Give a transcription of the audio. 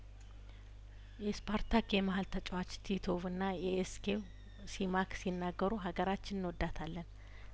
የስፓርታክ የመሀል ተጫዋች ቲቶቭና የኤስኬው ሲማክ ሲናገሩ ሀገራችን እንወዳታለን